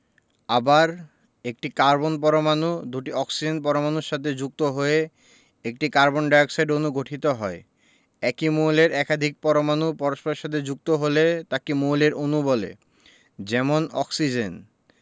আবার একটি কার্বন পরমাণু দুটি অক্সিজেন পরমাণুর সাথে যুক্ত হয়ে একটি কার্বন ডাই অক্সাইড অণু গঠিত হয় একই মৌলের একাধিক পরমাণু পরস্পরের সাথে যুক্ত হলে তাকে মৌলের অণু বলে যেমন অক্সিজেন